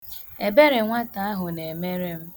Ebere nwata ahụ na-emere m